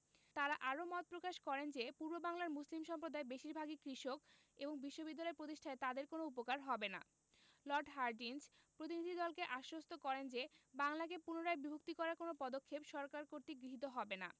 তাঁরা আরও মত প্রকাশ করেন যে পূর্ববাংলার মুসলিম সম্প্রদায় বেশির ভাগই কৃষক এবং বিশ্ববিদ্যালয় প্রতিষ্ঠায় তাদের কোনো উপকার হবে না লর্ড হার্ডিঞ্জ প্রতিনিধিদলকে আশ্বস্ত করেন যে বাংলাকে পুনরায় বিভক্ত করার কোনো পদক্ষেপ সরকার কর্তৃক গৃহীত হবে না